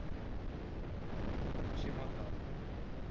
чемодан